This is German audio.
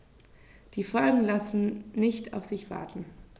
Die Folgen lassen nicht auf sich warten.